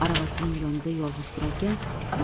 aravasining yonida yolg'iz turarkan